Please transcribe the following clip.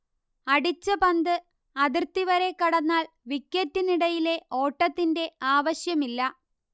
അടിച്ച പന്ത് അതിർത്തിവര കടന്നാൽ വിക്കറ്റിനിടയിലെ ഓട്ടത്തിന്റെ ആവശ്യമില്ല